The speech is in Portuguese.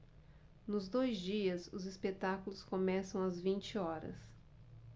nos dois dias os espetáculos começam às vinte horas